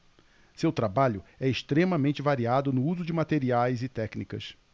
seu trabalho é extremamente variado no uso de materiais e técnicas